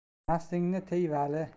nafsini tiygan vali